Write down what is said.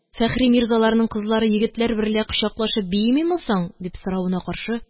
Фәхри мирзаларның кызлары егетләр берлә кочаклашып биимиме соң? – дип соравына каршы: